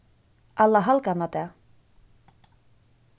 allahalgannadag